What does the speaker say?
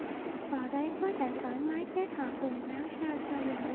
vào đấy có thể thoải mái kết hợp quần áo sao cho vừa ý